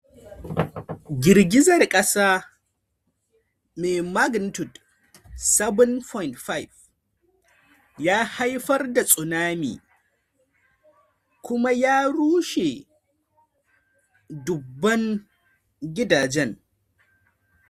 Girgizar kasa mai magnitude 7.5 ya haifar da tsunami kuma ya rushe dubban gidajen.